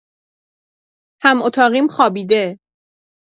هم‌اتاقی‌م خوابیده.